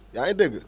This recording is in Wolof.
yaa ngi dégg